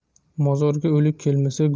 mozorga o'lik kelmasa